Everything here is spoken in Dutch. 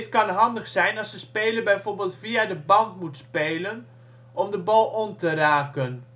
kan handig zijn als de speler bijvoorbeeld via de band moet spelen om de ball-on te raken